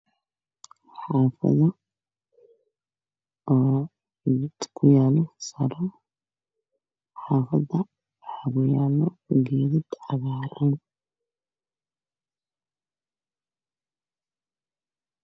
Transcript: Beeshani waa magaalo waana xaafado waxaa iihi masaajid caddaan ah oo minnaarradiis aada u dheer tahay